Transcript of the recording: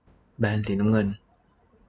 แบนสีน้ำเงิน